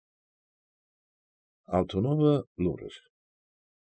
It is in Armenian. Ալթունովը լուռ էր։